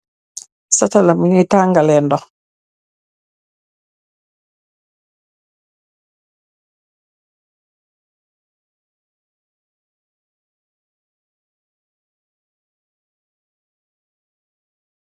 Satala bunyi tangal le ndox